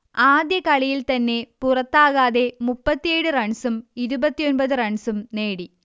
ആദ്യ കളിയിൽ തന്നെ പുറത്താകാതെ മുപ്പത്തിയേഴ് റൺസും ഇരുപത്തിയൊമ്പത് റൺസും നേടി